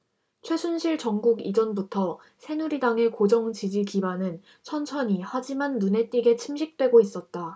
최순실 정국 이전부터 새누리당의 고정 지지 기반은 천천히 하지만 눈에 띄게 침식되고 있었다